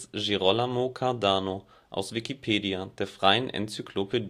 Gerolamo Cardano, aus Wikipedia, der freien Enzyklopädie